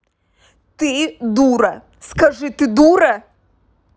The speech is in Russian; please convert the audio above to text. ты дура скажи ты дура